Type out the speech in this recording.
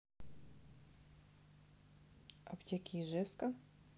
аптеки ижевска